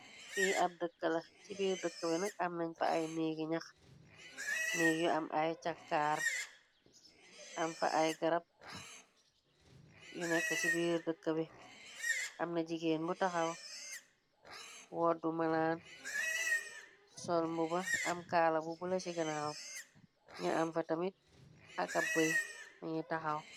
Fi ab dëkkla ci biir dëkka bi nak am nen fa ay néggi ñyax néggi yu am ay chàkkaar am fa ay garapb yu nekk ci biir dëkka bi am na jigeen bu taxaw wooddu malaan sol mbuba am kaala bu bula ci ganaaw ñyu am fa tamit ak ab bëy mugi taxaw.